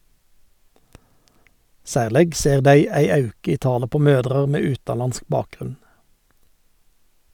Særleg ser dei ei auke i talet på mødrer med utanlandsk bakgrunn.